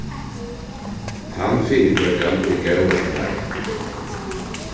tann fyritøkan er góð at hava